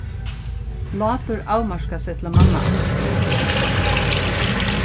látur avmarkar seg til mannaættina